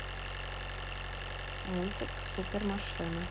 мультик супер машины